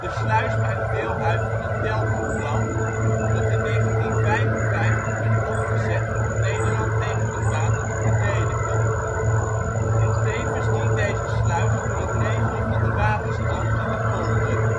sluis maakt deel uit van het Deltaplan, dat in 1955 werd opgezet om Nederland tegen het water te verdedigen, tevens dient deze sluis voor het regelen van de waterstand in de polder